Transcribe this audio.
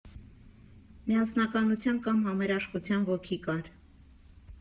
Միասնականության կամ համերաշխության ոգի կար։